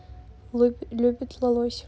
любит лосось